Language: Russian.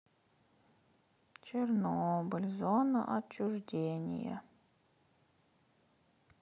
чернобыль зона отчуждения